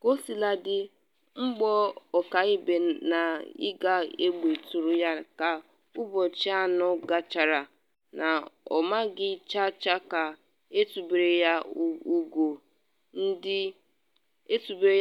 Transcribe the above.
Kaosiladị, mgbọ ọkaibe n’ịgba egbe tụrụ ya ka ụbọchị anọ gachara na ọ maghị ncha ncha na etubere